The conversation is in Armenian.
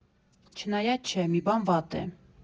Չնայած չէ, մի բան վատ է.